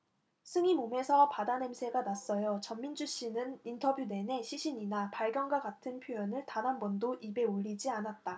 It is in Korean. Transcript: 승희 몸에서 바다 냄새가 났어요전민주씨는 인터뷰 내내 시신이나 발견과 같은 표현을 단 한번도 입에 올리지 않았다